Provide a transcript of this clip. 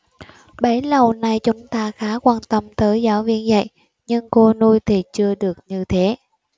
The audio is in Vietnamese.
bấy lâu nay chúng ta khá quan tâm tới giáo viên dạy nhưng cô nuôi thì chưa được như thế